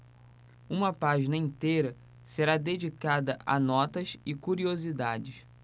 uma página inteira será dedicada a notas e curiosidades